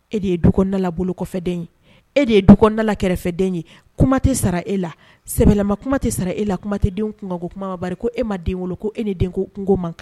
E de ye dubolo ye e de ye duda kɛrɛfɛden ye kuma tɛ sara e labɛ kuma tɛ sara e la kuma tɛ den ko kumabari ko e ma den ko e ni den ko kungoko man